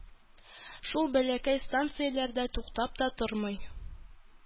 Шул бәләкәй станцияләрдә туктап та тормый.